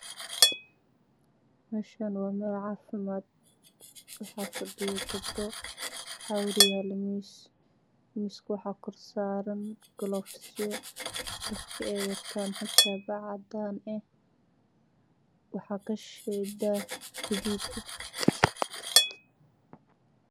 Meeshaan waa meel caafimad waxaa fadhiyo gabdho waxa horyaalo miis miiska waxaa kor saaran Gloves dharka ay wadtaan xijaab caadan ah waxaa ka shisheeya daah gaduudan